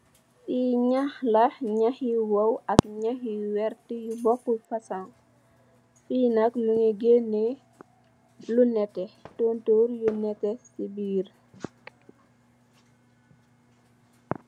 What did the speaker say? Le nyane la nyane yu wong ak yu verter yu bounce fason nye nak mugi gena tontor yu nete si birr.